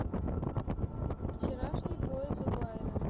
вчерашний бой зубайра